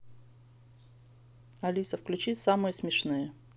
алиса включи самые смешные